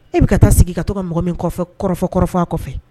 E bi ka taa sigi ka tɔka ka mɔgɔ min kɔrɔfɔ kɔrɔfɔ a kɔfɛ.